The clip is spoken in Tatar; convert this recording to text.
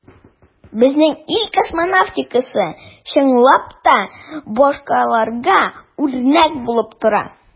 Безнең ил космонавтикасы, чынлап та, башкаларга үрнәк булып тора.